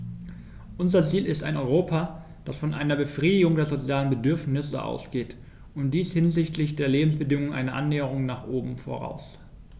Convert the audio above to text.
Unser Ziel ist ein Europa, das von einer Befriedigung der sozialen Bedürfnisse ausgeht, und dies setzt hinsichtlich der Lebensbedingungen eine Annäherung nach oben voraus.